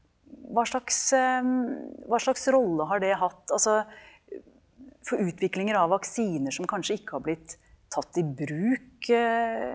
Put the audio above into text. hva slags hva slags rolle har det hatt, altså for utviklinger av vaksiner som kanskje ikke har blitt tatt i bruk ?